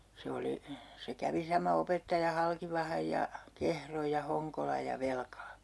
se oli se kävi sama opettaja Halkivahan ja Kehron ja Honkolan ja Velkalan